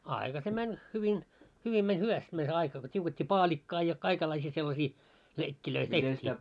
aika se meni hyvin hyvin meni hyvästi meni se aika kun tiukettiin paalikkaa ja kaikenlaisia sellaisia leikkejä tehtiin